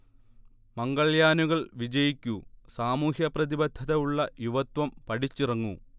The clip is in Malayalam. മംഗൾയാനുകൾ വിജയിക്കൂ, സാമൂഹ്യ പ്രതിബദ്ധത ഉള്ള യുവത്വം പഠിച്ചിറങ്ങൂ